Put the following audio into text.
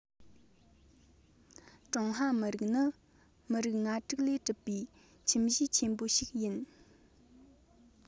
ཀྲུང ཧྭ མི རིགས ནི མི རིགས ང དྲུག ལས གྲུབ པའི ཁྱིམ གཞིས ཆེན པོ ཞིག ཡིན